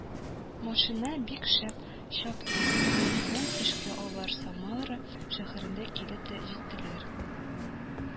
Машина бик шәп чапты, иртәгесен төшкә алар Самара шәһәренә килеп тә җиттеләр